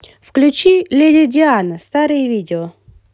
включи леди диана старые видео